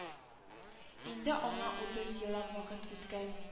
Инде аңа утыз еллап вакыт үткән